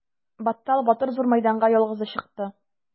Баттал батыр зур мәйданга ялгызы чыкты.